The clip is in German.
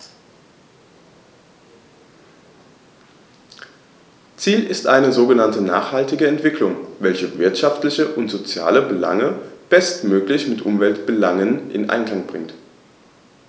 Ziel ist eine sogenannte nachhaltige Entwicklung, welche wirtschaftliche und soziale Belange bestmöglich mit Umweltbelangen in Einklang bringt.